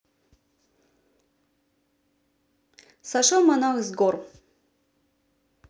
сошел монах с гор